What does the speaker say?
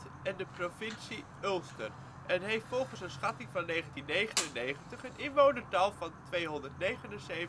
en de provincie Ulster, en heeft volgens een schatting uit 1999 een inwonertal van 279.200. Het